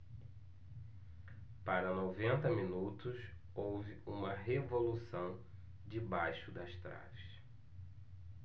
para noventa minutos houve uma revolução debaixo das traves